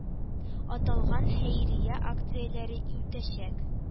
Аталган хәйрия акцияләре үтәчәк